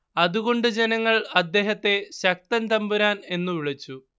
അതുകൊണ്ട് ജനങ്ങൾ അദ്ദേഹത്തെ ശക്തൻ തമ്പുരാൻ എന്നു വിളിച്ചു